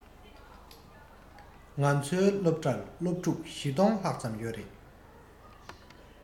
ང ཚོའི སློབ གྲྭར སློབ ཕྲུག ༤༠༠༠ ལྷག ཙམ ཡོད རེད